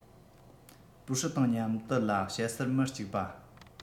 པུའུ ཧྲི དང མཉམ དུ ལ བཤད སར མི གཅིག པ